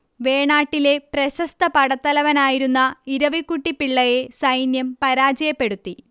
വേണാട്ടിലെ പ്രശസ്ത പടത്തലവനായിരുന്ന ഇരവിക്കുട്ടിപ്പിള്ളയെ സൈന്യം പരാജയപ്പെടുത്തി